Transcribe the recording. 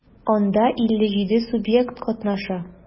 Анда 57 субъект катнаша.